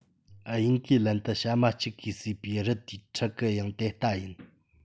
དབྱིན ཀེ ལན དུ བྱ མ གཅིག གིས གསོས པའི རི དེའི ཕྲུ གུ ཡང དེ ལྟ ཡིན